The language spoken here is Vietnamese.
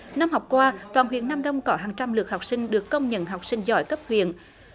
năm học qua toàn huyện nam đông có hàng trăm lượt học sinh được công nhận học sinh giỏi cấp huyện